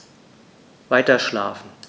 Weiterschlafen.